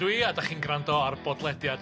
...dw i, a .dach chi'n gwrando ar bodlediad...